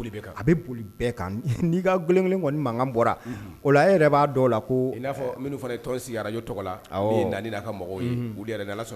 Bɔra o yɛrɛ b'a la'a fɔ minnu fana sigi araj tɔgɔ la dan a ka